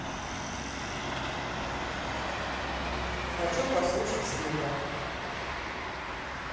хочу послушать стинга